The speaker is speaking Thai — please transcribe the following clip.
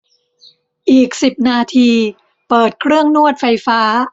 อีกสิบนาทีเปิดเครื่องนวดไฟฟ้า